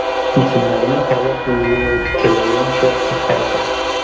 Исемнәрне халык үзе теләгәнчә кыскарта.